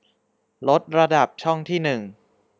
ลดระดับช่องที่หนึ่ง